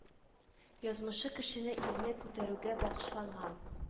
Язмышы кешене илне күтәрүгә багышланган